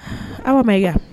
Aw ma